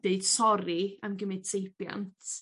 deud sori am gymyd seibiant.